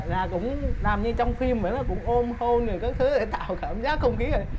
là cũng làm như trong phim dậy đó cũng ôm hôn rồi các thứ để tạo cảm giác không khí